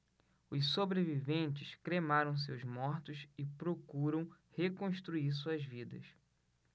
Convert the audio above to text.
os sobreviventes cremaram seus mortos e procuram reconstruir suas vidas